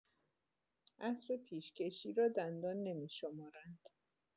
اسب پیش‌کشی را دندان نمی‌شمارند